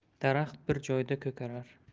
daraxt bir joyda ko'karar